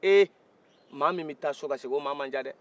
hee ma min bɛ ta so ka segin o ma macan dɛ